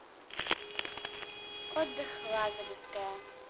отдых лазаревская